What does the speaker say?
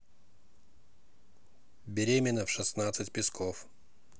беременна в шестнадцать песков